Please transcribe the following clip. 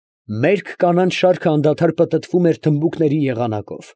Մերկ կանանց շարքը անդադար պտտվում էր թմբուկների եղանակով։